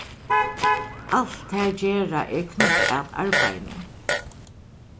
alt tær gera er knýtt at arbeiðinum